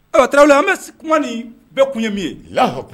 Ɔ tarawele an bɛ se kuma ni bɛɛ kun ye min yehaɔ